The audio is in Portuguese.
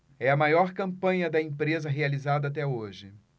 é a maior campanha da empresa realizada até hoje